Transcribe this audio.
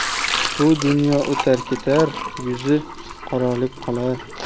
bu dunyo o'tar ketar yuzi qoralik qolar